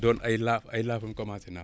doon ay laaf ay laafam commencé naaw